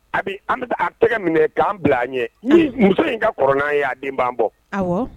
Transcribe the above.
A an bɛ taa tɛgɛ minɛ k'an bila an ɲɛ ni muso in ka kɔrɔn ye y'a den'an bɔ